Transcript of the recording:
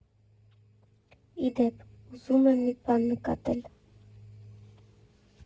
Ի դեպ, ուզում եմ մի բան նկատել։